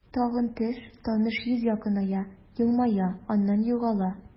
Тагын төш, таныш йөз якыная, елмая, аннан югала.